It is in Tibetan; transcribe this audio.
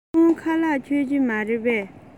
ཁོང ཁ ལག མཆོད ཀྱི མ རེད པས